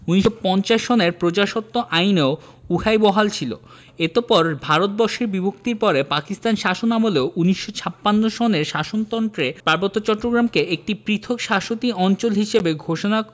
১৯৫০ সনের প্রজাস্বত্ব আইনেও উহাই বহাল ছিল অতপর ভারতবর্ষ বিভক্তির পরে পাকিস্তান শাসনামলেও ১৯৫৬ সনের শাসনন্ত্রে পার্বত্য চট্টগ্রামকে একটি 'পৃথক শাসতি অঞ্চল' হিসেবে ঘোষণা